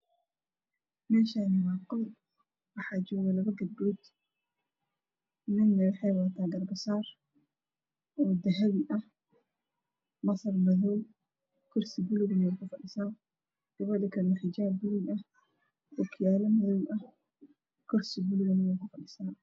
Halkan waa qol wax joogo labo gabdhod dharka kalara ey watan waa cades iyo baluug iyo madow kurasmad eey kufadhan waa baluug